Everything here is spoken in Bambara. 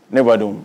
Ne ba don